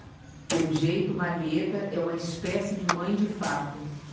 pelo jeito marieta é uma espécie de mãe de fato